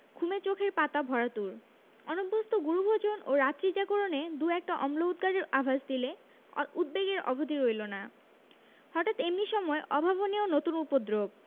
ঘুমে চোখের পাতা ভারাতুর অনভ্যস্ত গুরু ভোজন ও রাত্রি জাগরণে দু একটা অম্ল উদগারের আভাস দিলে উদ্বেগের অবধি রইল না হঠাৎ এমনি সময় অভাবনীয় নতুন উপদ্রব